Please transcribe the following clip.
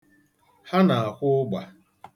Ha na-akwụ ụgba.